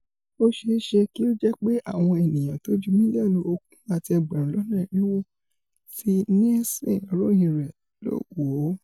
Ó ṣeé ṣé kí ó jẹ́pé àwọn ènìyàn tó ju mílíọ̀nù ogun àti ẹgbẹ̀rún lọ́nà irinwó ti Nielsen ròyìn rẹ̀ ló wò o.